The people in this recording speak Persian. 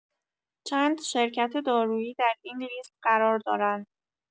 چند شرکت دارویی در این لیست قرار دارند.